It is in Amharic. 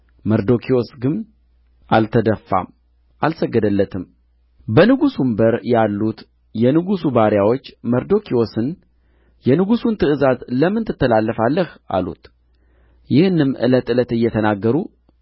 መርዶክዮስ ግን አልተደፋም አልሰገደለትም በንጉሡም በር ያሉት የንጉሡ ባሪያዎች መርዶክዮስን የንጉሡን ትእዛዝ ለምን ትተላለፋለህ አሉት ይህንም ዕለት ዕለት እየተናገሩ